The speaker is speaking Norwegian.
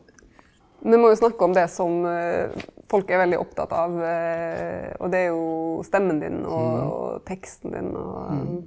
me må jo snakke om det som folk er veldig opptekne av og det er jo stemma din og teksten din og.